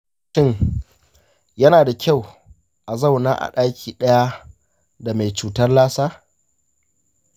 shin yana da kyau a zauna a ɗaki ɗaya da mai cutar lassa?